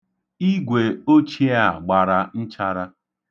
Igwe ochie a gbara nchara.